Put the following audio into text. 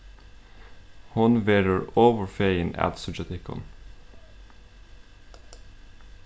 hon verður ovurfegin at síggja tykkum